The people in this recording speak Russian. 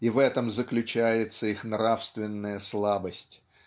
и в этом заключается их нравственная слабость.